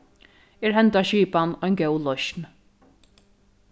er henda skipan ein góð loysn